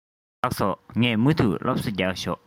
ལགས སོ ངས མུ མཐུད སློབ གསོ རྒྱབ ཆོག